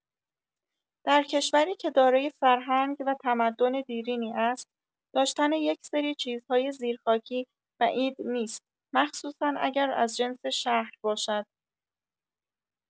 در کشوری که دارای فرهنگ و تمدن دیرینی است، داشتن یک سری چیزهای زیرخاکی بعید نیست، مخصوصا اگر از جنس شهر باشد.